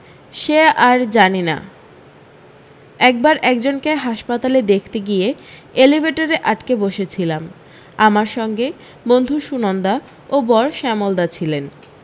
সে আর জানি না একবার একজনকে হাসপাতালে দেখতে গিয়ে এলিভেটরে আটকে বসে ছিলাম আমার সঙ্গে বন্ধু সুনন্দা আর ওর বর শ্যামলদা ছিলেন